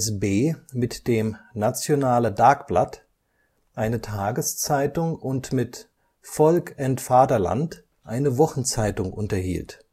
NSB mit dem Nationale Dagblad eine Tageszeitung und mit Volk en Vaderland eine Wochenzeitung unterhielt